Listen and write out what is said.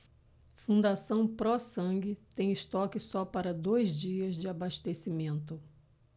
fundação pró sangue tem estoque só para dois dias de abastecimento